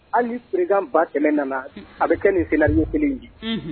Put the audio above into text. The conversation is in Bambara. Hali ni folikan ba kɛmɛ nana a bɛ kɛ nin senna ye kelen bi